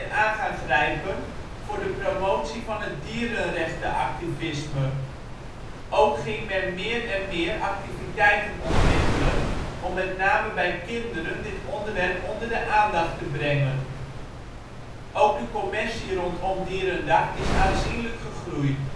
aan gaan grijpen voor de promotie van het dierenrechtenactivisme. Ook ging men meer en meer activiteiten ontwikkelen om met name bij kinderen dit onderwerp onder de aandacht te brengen. Ook de commercie rondom dierendag is aanzienlijk gegroeid